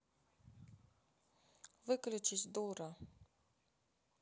выключись дура